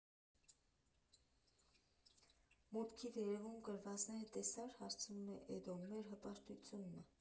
֊ Մուտքի վերևում գրվածքները տեսա՞ր, ֊ հարցնում է Էդոն, ֊ մեր հպարտությունն ա։